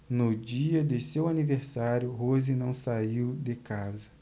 no dia de seu aniversário rose não saiu de casa